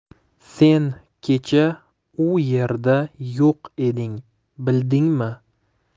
sen kecha u yerda yo'q eding bildingmi